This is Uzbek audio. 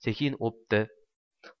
sekin o'pdi